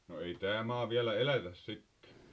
no ei tämä maa vielä elätä sitten